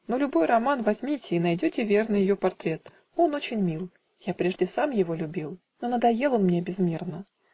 но любой роман Возьмите и найдете верно Ее портрет: он очень мил, Я прежде сам его любил, Но надоел он мне безмерно.